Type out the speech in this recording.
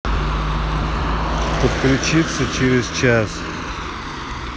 подключиться через час